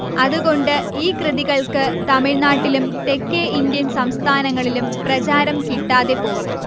അതുകൊണ്ട് ഈ കൃതികൾക്ക് തമിഴ്നാട്ടിലും തെക്കേ ഇന്ത്യൻ സംസ്ഥാനങ്ങളിലും പ്രചാരം കിട്ടാതെപോയി